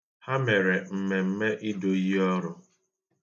Ha mere mmemme ido iyi ọrụ.